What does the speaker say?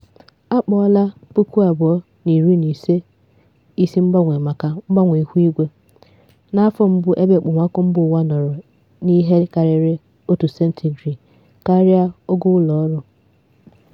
A kpọọla 2015 isi mgbanwe maka mgbanwe ihuigwe; N'afọ mbụ ebe okpomọkụ mbaụwa nọrọ n'ihe karịrị 1°C karịa ogo ụlọọrụ.